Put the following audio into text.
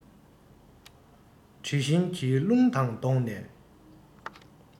དྲི བཞིན གྱི རླུང དང བསྡོངས ནས